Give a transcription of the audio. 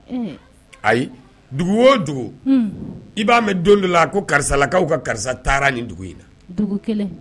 Ayi dugu o i b'a mɛn don de la a ko karisalakaw ka karisa taara ni dugu in